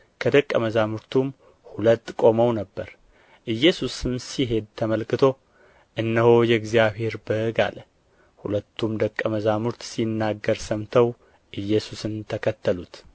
ከደቀ መዛሙርቱም ሁለት ቆመው ነበር ኢየሱስም ሲሄድ ተመልክቶ እነሆ የእግዚአብሔር በግ አለ ሁለቱም ደቀ መዛሙርት ሲናገር ሰምተው ኢየሱስን ተከተሉት